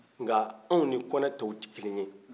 nka anw ni kɔnɛ tɔw t'i kelen ye